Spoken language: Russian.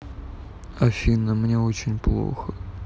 афина мне очень плохо